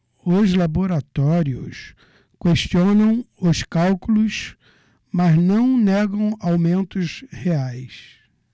os laboratórios questionam os cálculos mas não negam aumentos reais